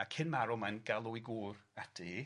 A cyn marw mae'n galw ei gŵr ati 'i.